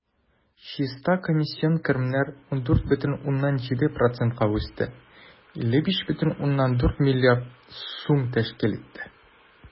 Чиста комиссион керемнәр 14,7 %-ка үсте, 55,4 млрд сум тәшкил итте.